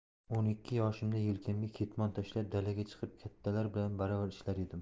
o'n ikki yoshimda yelkamga ketmon tashlab dalaga chiqib kattalar bilan baravar ishlar edim